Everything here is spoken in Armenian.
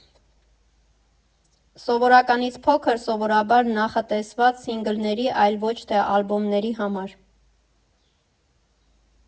Սովորականից փոքր, սովորաբար նախատեսված սինգլների, այլ ոչ թե ալբոմների համար։